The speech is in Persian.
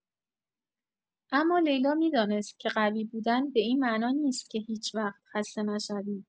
اما لیلا می‌دانست که قوی بودن به این معنا نیست که هیچ‌وقت خسته نشوی.